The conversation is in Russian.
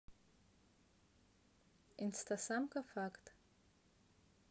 инстасамка факт